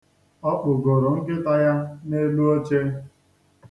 Ọ kpụgoro nkịta ya n'elu oche.